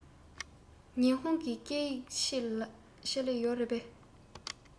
ཉི ཧོང གི སྐད ཡིག ཆེད ལས ཡོད རེད པས